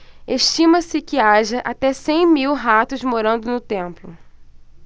estima-se que haja até cem mil ratos morando no templo